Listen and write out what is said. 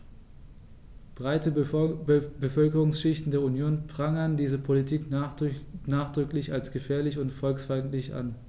Breite Bevölkerungsschichten der Union prangern diese Politik nachdrücklich als gefährlich und volksfeindlich an.